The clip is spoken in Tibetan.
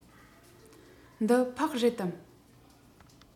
འདི ཕག རེད དམ